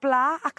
bla ac